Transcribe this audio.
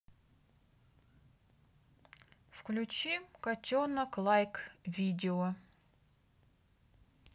включи котенок лайк видео